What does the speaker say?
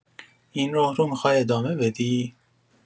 این راه رو می‌خوای ادامه بدی؟